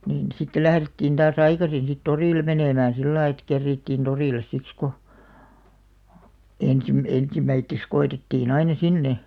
niin sitten lähdettiin taas aikaisin sitten torille menemään sillä lailla että kerittiin torille siksi kun - ensimmäiseksi koetettiin aina sinne